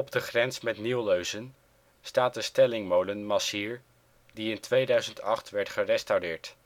de grens met Nieuwleusen staat de stellingmolen Massier die in 2008 wordt gerestaureerd